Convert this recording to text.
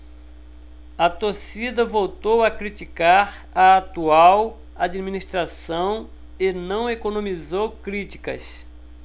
a torcida voltou a criticar a atual administração e não economizou críticas